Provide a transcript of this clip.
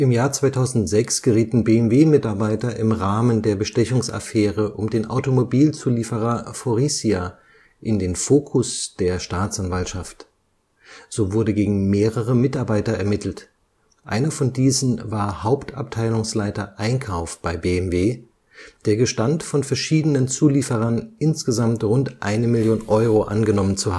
Jahr 2006 gerieten BMW-Mitarbeiter im Rahmen der Bestechungsaffäre um den Automobilzulieferer Faurecia in den Fokus der Staatsanwaltschaft. So wurde gegen mehrere Mitarbeiter ermittelt. Einer von diesen war Hauptabteilungsleiter Einkauf bei BMW, der gestand, von verschiedenen Zulieferern insgesamt rund eine Million Euro angenommen zu